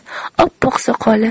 oppoq soqoli